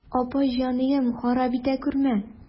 Апа җаныем, харап итә күрмә.